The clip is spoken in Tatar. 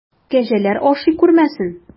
Кәҗәләр ашый күрмәсен!